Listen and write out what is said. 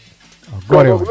waaw goore waay